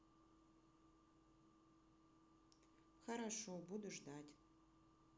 хорошо буду ждать